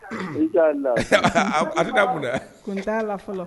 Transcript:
A kun ko t'a la fɔlɔ